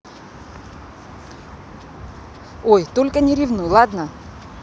ой только не ревнуй ладно